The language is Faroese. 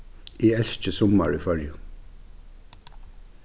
eg elski summar í føroyum